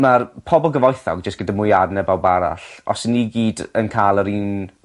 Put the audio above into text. ma'r pobol gyfoethog jyst gyda mwy o arian na bawb arall os 'yn ni gyd yn ca'l yr un